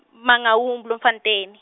Mangaung Bloemfontein.